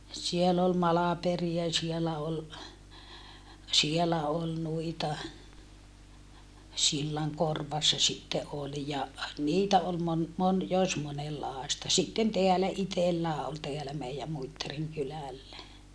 siellä oli Malperia siellä oli siellä oli noita Sillankorvassa sitten oli ja niitä oli -- jos monenlaista sitten täällä itsellään oli täällä meidän Muittarin kylällä